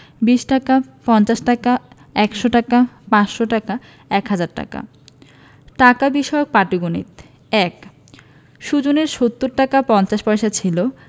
২০ টাকা ৫০ টাকা ১০০ টাকা ৫০০ টাকা ১০০০ টাকা টাকা বিষয়ক পাটিগনিতঃ ১ সুজনের ৭০ টাকা ৫০ পয়সা ছিল